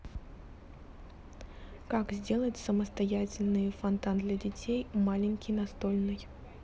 как сделать самостоятельные фонтан для детей маленький настольный